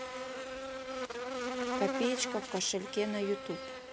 копеечка в кошельке на ютуб